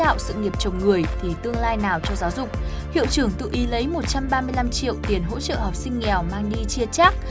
đạo sự nghiệp trồng người thì tương lai nào cho giáo dục hiệu trưởng tự ý lấy một trăm ba mươi lăm triệu tiền hỗ trợ học sinh nghèo mang đi chia chác